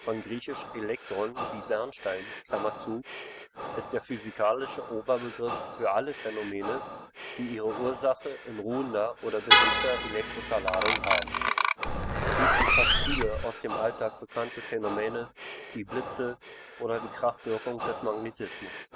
von griechisch Vorlage:Polytonisch ēlektron „ Bernstein “) ist der physikalische Oberbegriff für alle Phänomene, die ihre Ursache in ruhender oder bewegter elektrischer Ladung haben. Dies umfasst viele aus dem Alltag bekannte Phänomene wie Blitze oder die Kraftwirkung des Magnetismus.